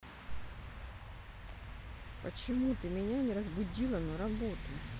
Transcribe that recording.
почему ты меня не разбудила на работу